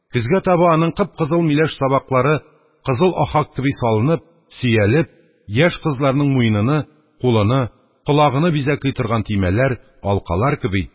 Көзгә таба аның кып-кызыл миләш сабаклары кызыл ахак кеби салынып, сөялеп, яшь кызларның муеныны, кулыны, колагыны бизәкли торган төймәләр, алкалар кеби,